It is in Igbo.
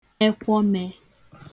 ẹkwọmeē